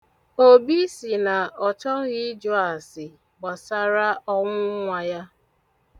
Obi sị na ọ chọghị ịjụ ase gbasara ọnwụ nnwa ya.